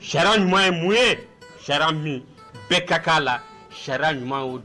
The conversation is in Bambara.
Ca ɲumanuma ye mun ye min bɛɛ kaa la sariya ɲuman o don